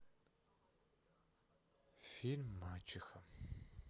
фильм мачеха